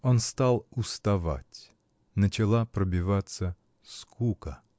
Он стал уставать, начала пробиваться скука.